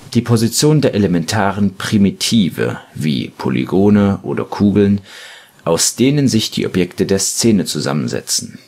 die Position der elementaren Primitive, wie Polygone oder Kugeln, aus denen sich die Objekte der Szene zusammensetzen